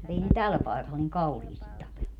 mutta ei ne tällä paikalla niin kauheasti tapellut